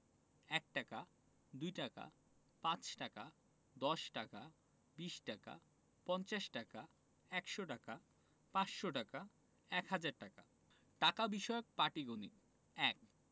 ১ টাকা ২ টাকা ৫ টাকা ১০ টাকা ২০ টাকা ৫০ টাকা ১০০ টাকা ৫০০ টাকা ১০০০ টাকা টাকা বিষয়ক পাটিগনিত ১